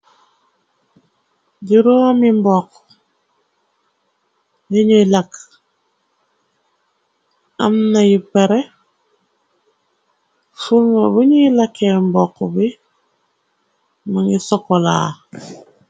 Juroomi mbokq yiñuy làkk am nayu pere furniture buñuy lakkee mbokq bi mangi sokolaa.